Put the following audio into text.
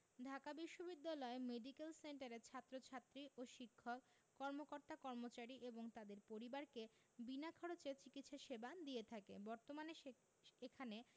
ঢাকা বিশ্ববিদ্যালয় মেডিকেল সেন্টারে ছাত্রছাত্রী ও শিক্ষক কর্মকর্তাকর্মচারী এবং তাদের পরিবারকে বিনা খরচে চিকিৎসা সেবা দিয়ে থাকে বর্তমানে এখানে